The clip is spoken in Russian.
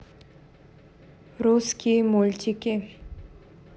русские мультики